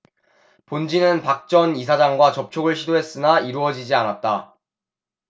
본지는 박 전 이사장과 접촉을 시도했으나 이뤄지지 않았다